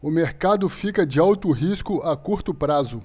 o mercado fica de alto risco a curto prazo